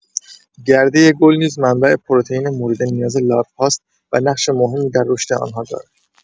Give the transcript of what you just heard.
گرده گل نیز منبع پروتئین مورد نیاز لاروهاست و نقش مهمی در رشد آنها دارد.